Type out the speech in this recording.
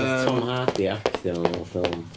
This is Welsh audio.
Wnaeth Tom Hardy actio fel fo mewn ffilm.